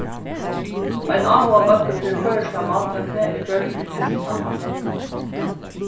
ein áhugabólkur fyri føroyska máltøkni er gjørdur í hesum sambandi